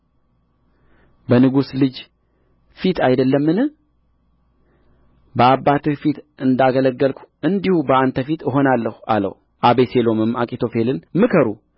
በንጉሥ ልጅ ፊት አይደለምን በአባትህ ፊት እንዳገለገልሁ እንዲሁ በአንተ ፊት እሆናለሁ አለው አቤሴሎምም አኪጦፌልን ምከሩ